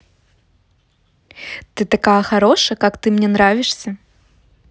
ты такая хорошая как ты мне нравишься